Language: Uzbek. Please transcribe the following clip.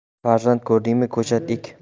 farzand ko'rdingmi ko'chat ek